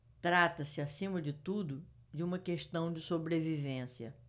trata-se acima de tudo de uma questão de sobrevivência